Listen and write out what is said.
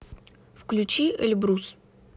включи эльбрус